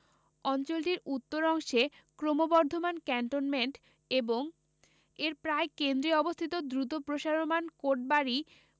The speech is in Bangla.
অঞ্চলটির উত্তর অংশে ক্রমবর্ধমান ক্যান্টনমেন্ট এবং এর প্রায় কেন্দ্রে অবস্থিত দ্রুত প্রসারমাণ কোটবাড়ি